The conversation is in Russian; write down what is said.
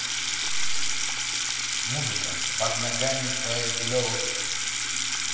музыка под ногами тает лед